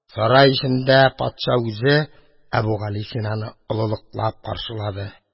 Сарай эчендә патша үзе Әбүгалисинаны олылыклап каршылады.